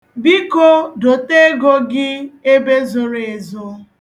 Biko dote ego gị ebe zoro ezo.